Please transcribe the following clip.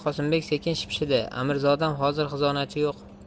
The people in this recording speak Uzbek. qosimbek sekin shipshidi amirzodam hozir xizonachi yo'q